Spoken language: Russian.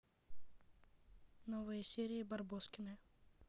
новые серии барбоскины